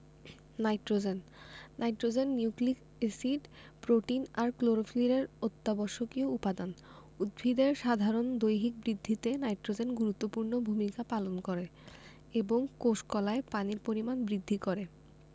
nitrogen nitrogen nucleic acid protein আর ক্লোরোফিলের অত্যাবশ্যকীয় উপাদান উদ্ভিদের সাধারণ দৈহিক বৃদ্ধিতে নাইট্রোজেন গুরুত্বপূর্ণ ভূমিকা পালন করে এবং কোষ কলায় পানির পরিমাণ বৃদ্ধি করে